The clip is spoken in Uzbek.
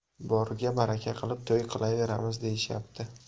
boriga baraka qilib to'y qilaveramiz deyishyapti